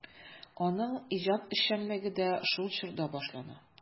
Аның иҗат эшчәнлеге дә шул чорда башлана.